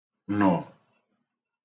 -nù